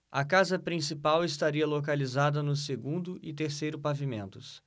a casa principal estaria localizada no segundo e terceiro pavimentos